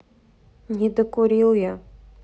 недокурил я